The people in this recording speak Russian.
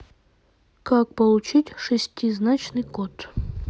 как получить шестизначный код